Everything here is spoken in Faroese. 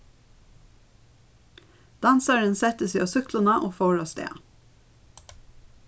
dansarin setti seg á súkkluna og fór avstað